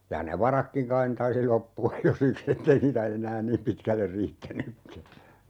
ja ne varatkin kai ne taisi loppua jo siksi että ei niitä enää niin pitkälle riittänytkään